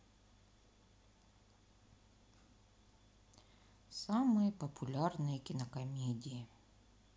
самые популярные кинокомедии